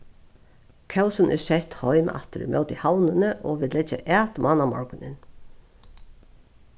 kósin er sett heim aftur ímóti havnini og vit leggja at mánamorgunin